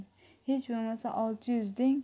hech bo'lmasa olti yuz deng